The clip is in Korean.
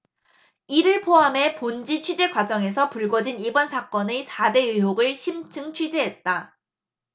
이를 포함해 본지 취재 과정에서 불거진 이번 사건의 사 대 의혹을 심층 취재했다